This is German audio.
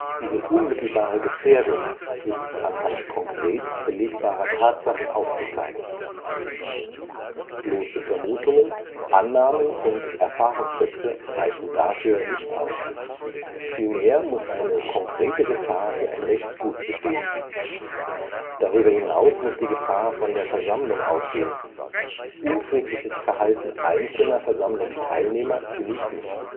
Diese unmittelbare Gefährdung ist anhand konkret belegbarer Tatsachen aufzuzeigen. Bloße Vermutungen, Annahmen und Erfahrungssätze reichen dafür nicht aus, vielmehr muss eine konkrete Gefahr für ein Rechtsgut bestehen. Darüber hinaus muss die Gefahr von der Versammlung ausgehen, unfriedliches Verhalten einzelner Versammlungsteilnehmer genügt nicht